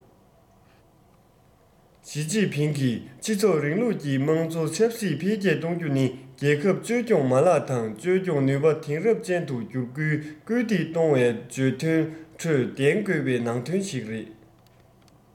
ཞིས ཅིན ཕིང གིས སྤྱི ཚོགས རིང ལུགས ཀྱི དམངས གཙོ ཆབ སྲིད འཕེལ རྒྱས གཏོང རྒྱུ ནི རྒྱལ ཁབ བཅོས སྐྱོང མ ལག དང བཅོས སྐྱོང ནུས པ དེང རབས ཅན དུ འགྱུར རྒྱུར སྐུལ འདེད གཏོང བའི བརྗོད དོན ཁྲོད ལྡན དགོས པའི ནང དོན ཞིག རེད